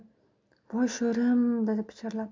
voy sho'rim dedi pichirlab